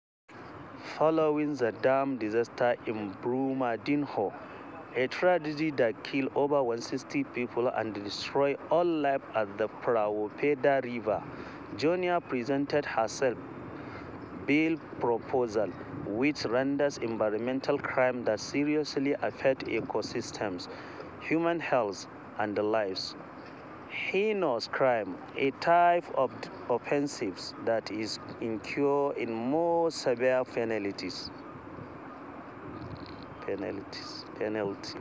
Following the dam disaster in Brumadinho, a tragedy that killed over 160 people and destroyed all life at the Paraopeba River, Joenia presented her first bill proposal, which renders environmental crimes that seriously affect ecosystems, human health, and lives, "heinous crimes", a type of offense that incurs in more severe penalties.